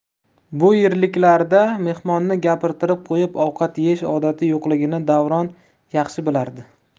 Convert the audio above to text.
bu yerliklarda mehmonni gapirtirib qo'yib ovqat yeyish odati yo'qligini davron yaxshi bilardi